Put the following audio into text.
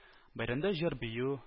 Бәйрәмдә җыр-бию